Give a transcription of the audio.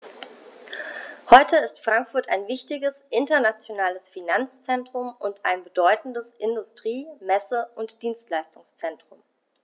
Heute ist Frankfurt ein wichtiges, internationales Finanzzentrum und ein bedeutendes Industrie-, Messe- und Dienstleistungszentrum.